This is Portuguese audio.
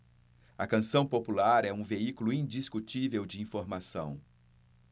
a canção popular é um veículo indiscutível de informação